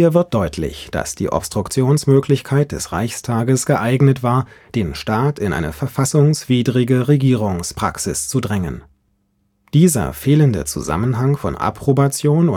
wird deutlich, dass die Obstruktionsmöglichkeit des Reichstags geeignet war, den Staat in eine verfassungswidrige Regierungspraxis zu drängen. Dieser fehlende „ Zusammenhang von Approbation